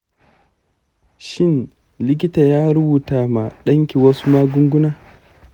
shin likita ya rubuta ma danki wasu magunguna?